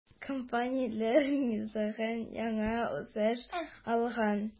Компанияләр низагы яңа үсеш алган.